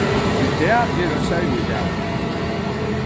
í dag er ein serligur dagur